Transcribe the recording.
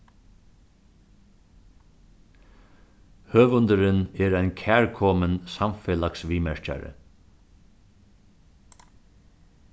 høvundurin er ein kærkomin samfelagsviðmerkjari